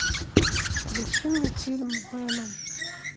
включи мне фильм веном